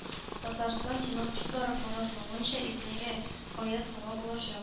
Татарстан синоптиклары фаразлавынча, иртәгә аяз һава булачак